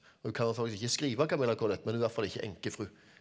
hun kan ikke skrive Camilla Collett men hun er i hvert fall ikke enkefru.